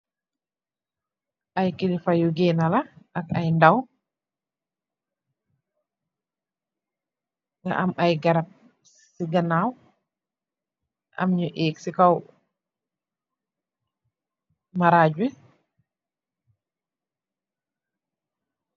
Ay kilifa yu genna la ak ay ndaw nga am ay garap ci ganaw, am ñu èek ci kaw marajii bi.